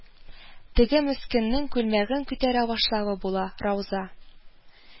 Теге мескеннең күлмәген күтәрә башлавы була, Рауза